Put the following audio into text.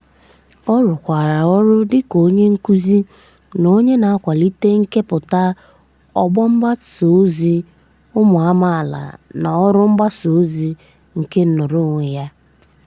Ọ rụkwara ọrụ dịka onye nkuzi na onye na-akwalite nkepụta ọgbọ mgbasa ozi ụmụ amaala na ọrụ mgbasa ozi nke nọọrọ onwe ya.